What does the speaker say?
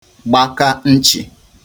gbaka nchị̀